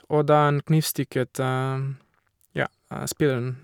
Og da han knivstikket, ja, spilleren.